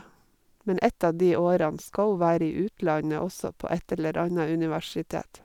Men ett av de årene skal hun være i utlandet også, på et eller anna universitet.